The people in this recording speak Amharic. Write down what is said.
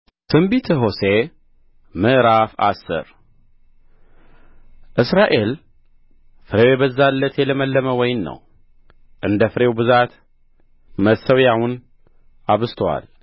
ትንቢተ ሆሴዕ ምዕራፍ አስር እስራኤል ፍሬው የበዛለት የለመለመ ወይን ነው እንደ ፍሬው ብዛት መሠዊያውን አብዝቶአል